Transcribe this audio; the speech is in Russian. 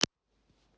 игра утка браузер